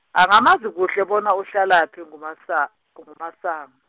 angamazi kuhle bona uhlalaphi nguMasa-, nguMasango.